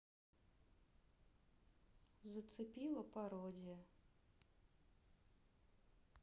зацепила пародия